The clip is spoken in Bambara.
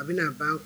A bɛ na ban